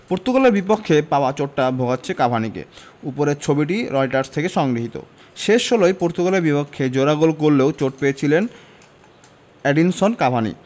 পর্তুগালের বিপক্ষে পাওয়া চোটটা ভোগাচ্ছে কাভানিকে ওপরের ছবিটি রয়টার্স থেকে সংগৃহীত শেষ ষোলোয় পর্তুগালের বিপক্ষে জোড়া গোল করলেও চোট পেয়েছিলেন এডিনসন কাভানি